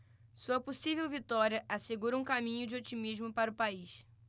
sua possível vitória assegura um caminho de otimismo para o país